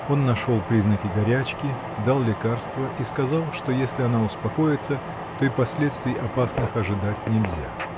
Он нашел признаки горячки, дал лекарство и сказал, что если она успокоится, то и последствий опасных ожидать нельзя.